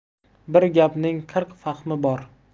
bir gapning qirq fahmi bor